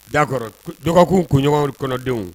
Da dɔgɔkun koɲɔgɔn kɔnɔdenw